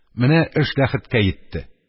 Менә эш ләхеткә йитте.